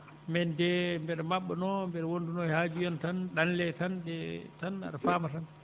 min nde mbiɗa maɓɓanoo mbiɗa wondunoo e haaju yon tan ɗanle tan tan aɗa faama tan